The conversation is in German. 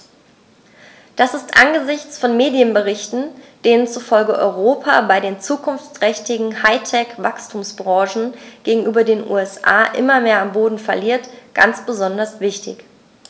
Das ist angesichts von Medienberichten, denen zufolge Europa bei den zukunftsträchtigen High-Tech-Wachstumsbranchen gegenüber den USA immer mehr an Boden verliert, ganz besonders wichtig.